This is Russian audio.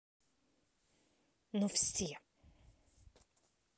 ну все